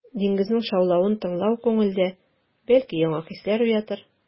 Диңгезнең шаулавын тыңлау күңелдә, бәлки, яңа хисләр уятыр.